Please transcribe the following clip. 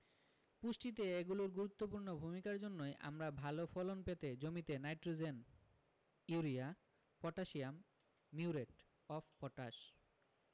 পুষ্টিতে এগুলোর গুরুত্বপূর্ণ ভূমিকার জন্যই আমরা ভালো ফলন পেতে জমিতে nitrogen urea potassium muriate of potash